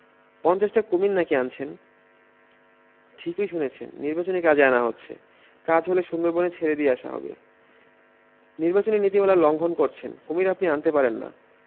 পঞ্চাশটা কুমীর না কি আনছেন ঠিকই শুনেছেন নির্বাচনী কাজে আনা হচ্ছে কাজ হলে সুন্দরবনে ছেড়ে দিয়ে আসা হবে ‘নিবাচনী নীতিমালা লংঘন করছেন কুমীর আপনি আনতে পারেন না